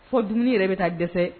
Fo dumuni yɛrɛ bi taa dɛsɛ.